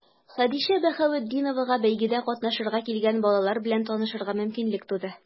Хәдичә Баһаветдиновага бәйгедә катнашырга килгән балалар белән танышырга мөмкинлек туды.